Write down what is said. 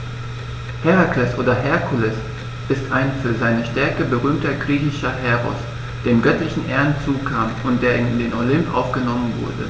Herakles oder Herkules ist ein für seine Stärke berühmter griechischer Heros, dem göttliche Ehren zukamen und der in den Olymp aufgenommen wurde.